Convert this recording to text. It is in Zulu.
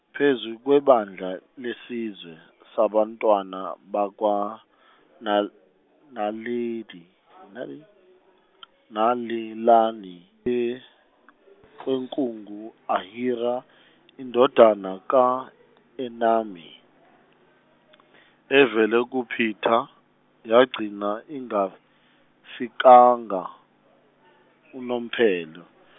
phezu kwebandla lesizwe sabantwana bakwa Na- Naledi- Nale- Nalelani kwe nkungu Ahira indodana ka Enami, evele ku- Peter, yagcina ingafikanga unomphelo.